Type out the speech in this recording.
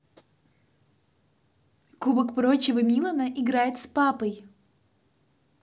кубок прочего милана играет с папой